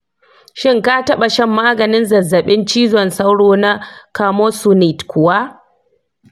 shin ka taba shan maganin zazzabin cizon sauro na camosunate kuwa?